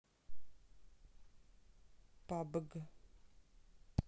пабг